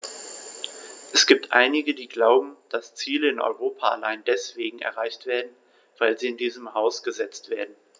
Es gibt einige, die glauben, dass Ziele in Europa allein deswegen erreicht werden, weil sie in diesem Haus gesetzt werden.